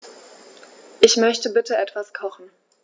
Ich möchte bitte etwas kochen.